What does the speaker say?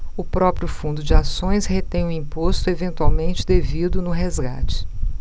o próprio fundo de ações retém o imposto eventualmente devido no resgate